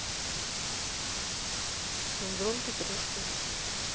синдром петрушки